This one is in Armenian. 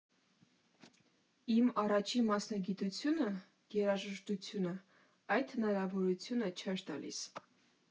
Իմ առաջին մասնագիտությունը՝ երաժշտությունը, այդ հնարավորությունը չէր տալիս։